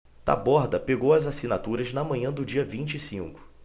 taborda pegou as assinaturas na manhã do dia vinte e cinco